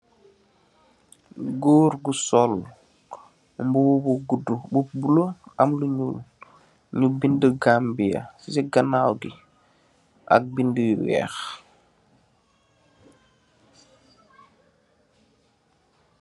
Goor gu sol, mbubu bu gudu bu buleuh am lu nyul, nyu bindh Gambia si ganaaw gi, am lu weekh.